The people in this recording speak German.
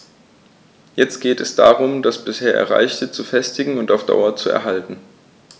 Jetzt geht es darum, das bisher Erreichte zu festigen und auf Dauer zu erhalten.